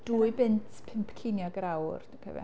2 bunt pump 5 ceiniog yr awr, dwi'n cofio.